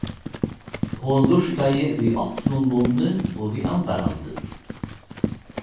hon lurtaði við opnum munni og við andarhaldi